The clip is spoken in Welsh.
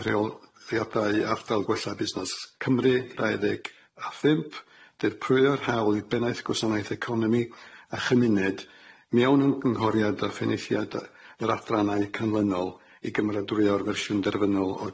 yr reol- ddiadau ardal gwella busnas Cymru dau ddeg a ffump dir prwio'r hawl i benaeth gwasanaeth economi a chymuned mewn ymgynghoriad a pheneithiad yy yr adrannau canlynol i gymeradwrio'r fersiwn derfynol o'r